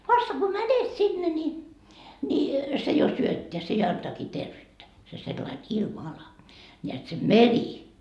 vasta kun menet sinne niin niin se jo syöttää se ja antaakin terveyttä se sellainen ilmanala näet se meri